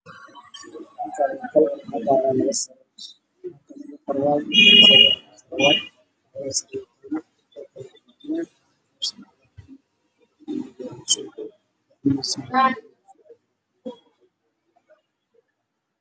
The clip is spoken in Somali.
Meeshaan waxaa fadhiyo wiilal iyo gabdho waxana yaalo miis ay saaran yihiin buugag iyo mobile